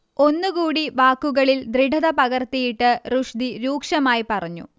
ഒന്നുകൂടി വാക്കുകളിൽ ദൃഢത പകർത്തിയിട്ട് റുഷ്ദി രൂക്ഷമായി പറഞ്ഞു